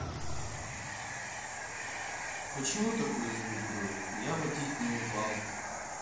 почему такой звук был я водить не упал